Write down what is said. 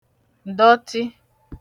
dọtị